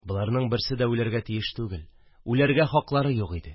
Боларның берсе дә үләргә тиеш түгел, үләргә хаклары юк иде